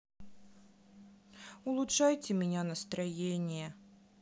улучшайте меня настроение